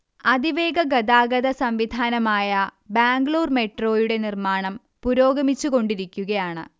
അതിവേഗ ഗതാഗത സംവിധാനമായ ബാംഗ്ലൂർ മെട്രോയുടെ നിർമ്മാണം പുരോഗമിച്ചു കൊണ്ടിരിക്കുകയാണ്